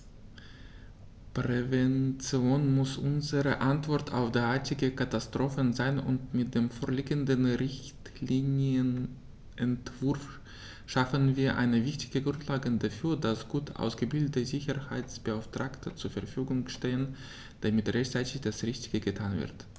Prävention muss unsere Antwort auf derartige Katastrophen sein, und mit dem vorliegenden Richtlinienentwurf schaffen wir eine wichtige Grundlage dafür, dass gut ausgebildete Sicherheitsbeauftragte zur Verfügung stehen, damit rechtzeitig das Richtige getan wird.